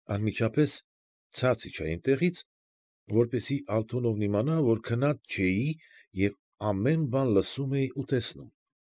Անմիջապես ցած իջա իմ տեղից, որպեսզի Ալթունովն իմանա, որ քնած չէի և ամեն բան լսում էի ու տեսնում։